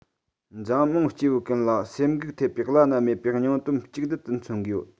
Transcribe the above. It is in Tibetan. འཛམ གླིང སྐྱེ བོ ཀུན ལ སེམས འགུལ ཐེབས པའི བླ ན མེད པའི སྙིང སྟོབས གཅིག སྡུད དུ མཚོན ཡོད